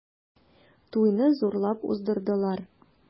Туйны зурлап уздырдылар.